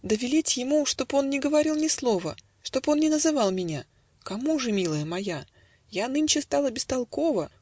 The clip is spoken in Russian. да велеть ему, Чтоб он не говорил ни слова, Чтоб он не называл меня. - "Кому же, милая моя? Я нынче стала бестолкова.